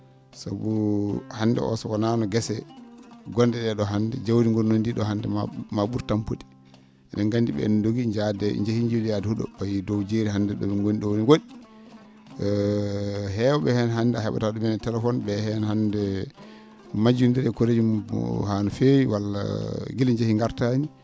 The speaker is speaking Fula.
sabu hannde o so wonaano gese gon?e ?ee ?oo hannde jawdi ngonnondi ndii ?oo hannde ma ?ur tampude e?en nganndi ?en ne ndogii njaadi e jehii njiiloyaade hu?o payi dow jeeri hannde ?o ?e ngoni ?oo ene wo??i heew?e heen hannde a he?ataa ?umen téléphone ?e heen hannde majjonndirii e kooreeji mum haa no feewi walla gila njehi ngartaani